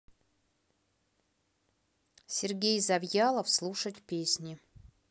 сергей завьялов слушать песни